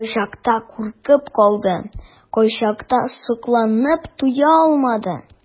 Кайчакта куркып калды, кайчакта сокланып туя алмады.